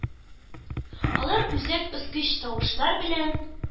Алар үзәк өзгеч тавышлар белән